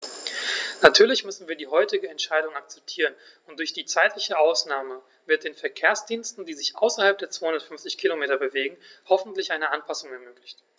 Natürlich müssen wir die heutige Entscheidung akzeptieren, und durch die zeitliche Ausnahme wird den Verkehrsdiensten, die sich außerhalb der 250 Kilometer bewegen, hoffentlich eine Anpassung ermöglicht.